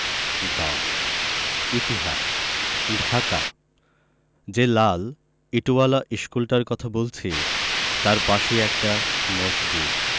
১০ ইতিহাস ঢাকা যে লাল ইটোয়ালা ইশকুলটার কথা বলছি তার পাশেই একটা মসজিদ